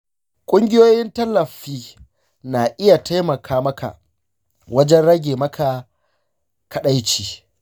ƙungiyoyin tallafi na iya taimaka maka wajan rage maka kaɗaici.